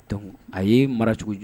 Dɔnc a ye mara cogo jɔ